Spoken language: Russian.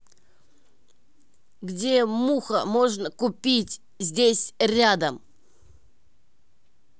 где муха можно купить здесь рядом